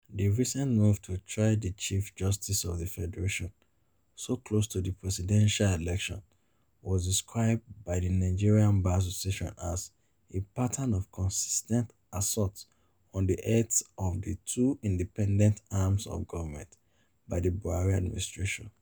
The recent move to try the Chief Justice of the Federation — so close to the presidential election — was described by the Nigerian Bar Association as "a pattern of consistent assault on the heads of the two independent arms of government" by the Buhari administration.